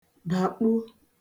bàkpù